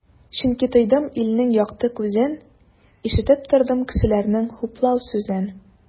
Чөнки тойдым илнең якты күзен, ишетеп тордым кешеләрнең хуплау сүзен.